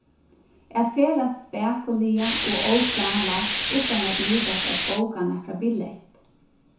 at ferðast spakuliga og óplanlagt uttan at nýtast at bóka nakra billett